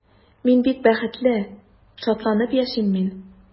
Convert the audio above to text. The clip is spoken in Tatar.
Мин бик бәхетле, шатланып яшим мин.